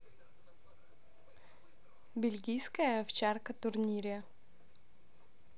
бельгийская овчарка турнире